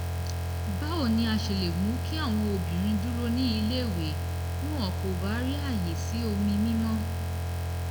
Báwo ni a ṣe lè mú kí àwọn obìnrin dúró ní ilé-ìwé bí wọn kò bá rí àyè sí omi mímọ́?